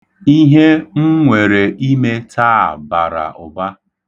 Ihe m nwere ime taa bara ụba.